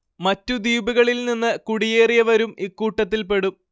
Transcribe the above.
മറ്റ് ദ്വീപുകളിൽ നിന്ന് കുടിയേറിയവരും ഇക്കൂട്ടത്തിൽ പെടും